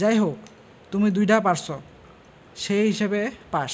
যাই হোক তুমি দুইডা পারছো সেই হিসেবে পাস